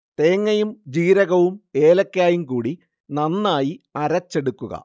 തേങ്ങയും ജീരകവും ഏലയ്ക്കായും കൂടി നന്നായി അരച്ചെടുക്കുക